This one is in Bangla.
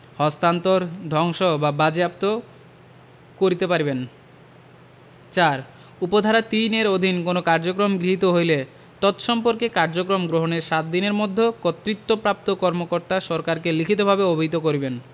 হস্তান্তর ধ্বংস বা বাজেয়াপ্ত কিরতে পারিবেন ৪ উপ ধারা ৩ এর অধীন কোন কার্যক্রম গৃহীত হইলে তৎসম্পর্কে কার্যক্রম গ্রহণের ৭ দিনের মধ্যে কর্তৃত্বপ্রাপ্ত কর্মকর্তা সরকারকে লিখিতভাবে অবহিত করিবেন